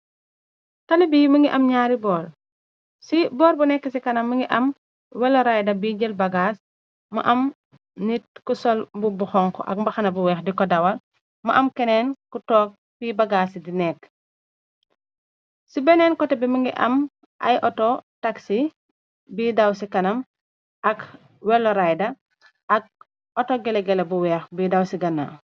tali bi mi ngi am ñaari boor ci boor bu nekk ci kanam mi ngi am welorida bi jël bagaas mu am nit ku sol bu bu xonk ak mbaxana bu weex di ko dawal mu am keneen ku took pi bagaas ci di nekk ci beneen koté bi mi ngi am ay auto taxi bi daw ci kanam ak welorida ak auto gelegéla bu weex bi daw ci gana